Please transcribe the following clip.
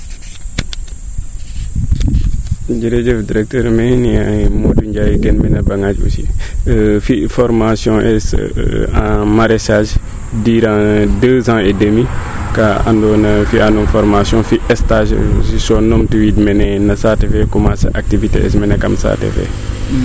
jejef directeur maxey ne'e Modou Ndiaye gen mene a Bangadj aussi fi formation en maraissage durant deux ans et demi kaa ando na fiya num formation fi stage gestion num tooxiid mene na saate fe commencer activité kam saate fee